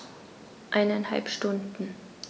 Eineinhalb Stunden